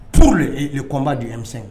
T tu kɔnmba de yesɛn